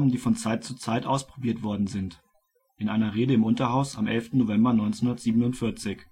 die von Zeit zu Zeit ausprobiert worden sind.) - In einer Rede im Unterhaus am 11. November 1947